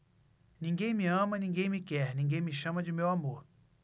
ninguém me ama ninguém me quer ninguém me chama de meu amor